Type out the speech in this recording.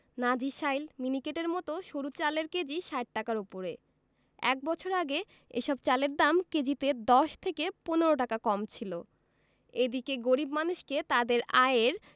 নাজিরশাইল মিনিকেটের মতো সরু চালের কেজি ৬০ টাকার ওপরে এক বছর আগে এসব চালের দাম কেজিতে ১০ থেকে ১৫ টাকা কম ছিল এদিকে গরিব মানুষকে তাঁদের আয়ের